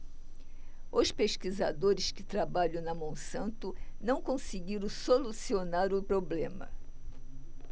os pesquisadores que trabalham na monsanto não conseguiram solucionar o problema